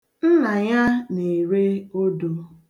Nna ya na-ere odo.